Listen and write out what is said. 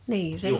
niin se